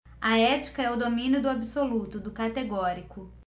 a ética é o domínio do absoluto do categórico